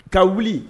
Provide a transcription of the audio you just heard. Ka wuli